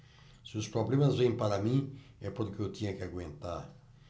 se os problemas vêm para mim é porque eu tinha que aguentar